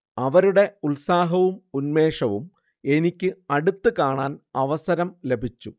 അവരുടെ ഉത്സാഹവും ഉന്മേഷവും എനിക്ക് അടുത്ത് കാണാൻ അവസരം ലഭിച്ചു